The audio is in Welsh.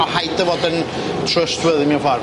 O' rhaid o fod yn trustworthy mewn ffor.